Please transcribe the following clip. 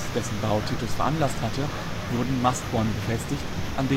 veranlasst hatte, wurden Mastbäume befestigt, an